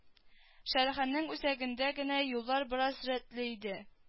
Шәрһәнең үзәгендә генә юллар бераз рәтле иде